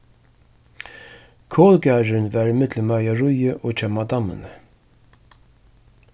kolgarðurin var ímillum meiaríið og hjá madammuni